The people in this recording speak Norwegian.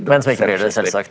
men som ikke blir det selvsagt.